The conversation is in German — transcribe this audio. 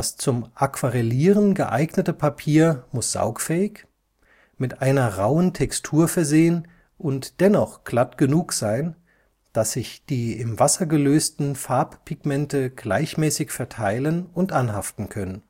zum Aquarellieren geeignete Papier muss saugfähig, mit einer rauen Textur versehen und dennoch glatt genug sein, dass sich die im Wasser gelösten Farbpigmente gleichmäßig verteilen und anhaften können